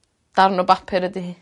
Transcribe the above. Darn o bapur ydi hi.